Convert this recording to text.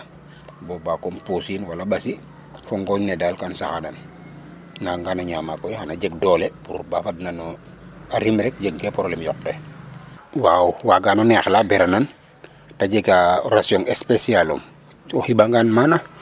Bu boba kom pursiin wala ɓasi fo ngooñ ne daal kam saxadan a nangan o ñaama koy xan a jeg doole pour ba fadna no a rim rek jegkee problème yoq ke waaw waagano neexla beranan ta jega ration speciale lum o xiɓangaan mana.